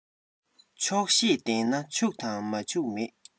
ཆོག ཤེས ལྡན ན ཕྱུག དང མ ཕྱུག མེད